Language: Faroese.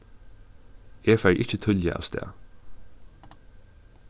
eg fari ikki tíðliga avstað